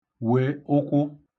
wè ụkwụ